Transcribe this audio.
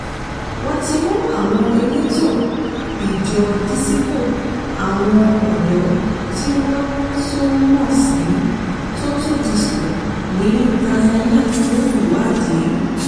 Wọ́n ti mú àwọn elétò ijó dísíkò àwọn ọ̀dọ́ tí wọ́n tún mọ̀ sí "Toto disco" ní Tanzania fún ìwádìí.